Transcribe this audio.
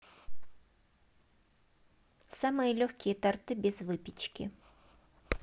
самые легкие торты без выпечки